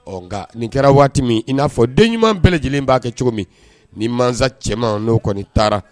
Ɔ nka nin kɛra waati min in n'a fɔ den ɲuman bɛɛ lajɛlen b'a kɛ cogo min ni masa cɛman n' kɔni taara